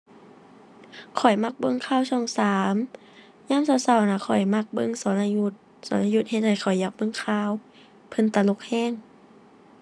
ข้อยมักเบิ่งข่าวช่องสาม ยามเช้าเช้าน่ะ ข้อยมักเบิ่งสรยุทธ สรยุทธเฮ็ดให้ข้อยอยากเบิ่งข่าว เพิ่นตลกเช้า